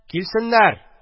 – килсеннәр!